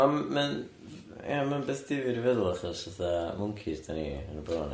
Ond ma'n, ia ma'n beth ddifyr i feddwl achos fatha mwncis dan ni yn y bôn ia?